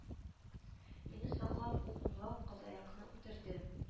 Мине саклап ул унлап казаякны үтерде